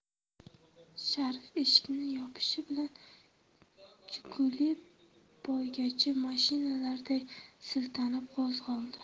sharif eshikni yopishi bilan jiguli poygachi mashinalarday siltanib qo'zg'oldi